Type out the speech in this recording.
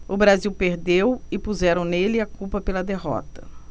o brasil perdeu e puseram nele a culpa pela derrota